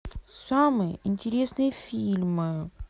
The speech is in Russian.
самые интересные фильмы